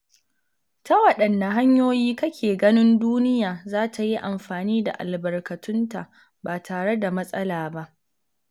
Ta waɗanne hanyoyi kake ganin duniya za ta yi amfani da albarkatunta ba tare da matsala ba?